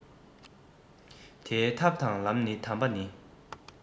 དེའི ཐབས དང ལམ གྱི དམ པ ནི